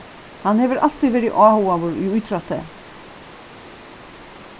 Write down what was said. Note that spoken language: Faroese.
hann hevur altíð verið áhugaður í ítrótti